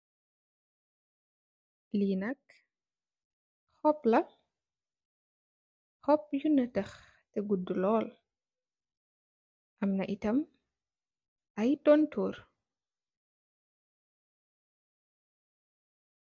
Li nak hoop la hoopi neteeh teh gudu lool amna aii tam ay tontorr.